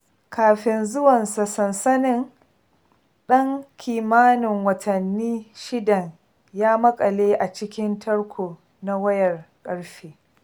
Kafin zuwansa sansanin, ɗan kimanin watannin shidan ya maƙale a cikin tarko na wayar ƙarfe.